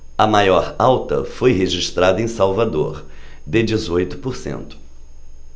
a maior alta foi registrada em salvador de dezoito por cento